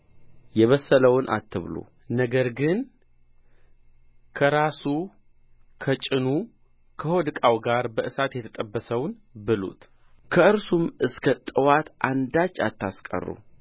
የበሰለውን አትብሉ ነገር ግን ከራሱ ከጭኑ ከሆድ ዕቃው ጋር በእሳት የተጠበሰውን ብሉት ከእርሱም እስከ ጥዋት አንዳች አታስቀሩ